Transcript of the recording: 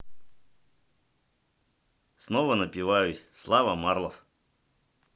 снова напиваюсь slava marlow